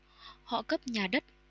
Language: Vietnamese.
họ cấp nhà đất